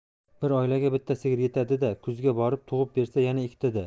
bir oilaga bitta sigir yetadi da kuzga borib tug'ib bersa yana ikkita da